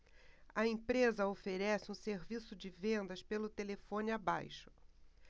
a empresa oferece um serviço de vendas pelo telefone abaixo